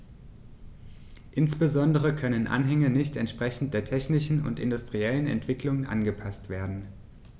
Insbesondere können Anhänge nicht entsprechend der technischen und industriellen Entwicklung angepaßt werden.